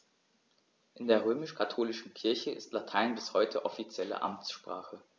In der römisch-katholischen Kirche ist Latein bis heute offizielle Amtssprache.